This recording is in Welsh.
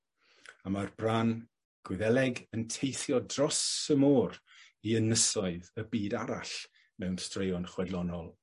A ma'r Bran Gwyddeleg yn teithio dros y môr i ynysoedd y byd arall mewn straeon chwedlonol